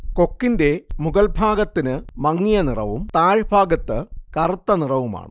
കൊക്കിന്റെ മുകൾഭാഗത്തിന് മങ്ങിയ നിറവും താഴ്ഭാഗത്തു കറുത്ത നിറവുമാണ്